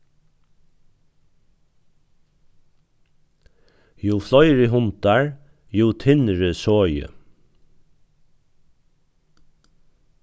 jú fleiri hundar jú tynri soðið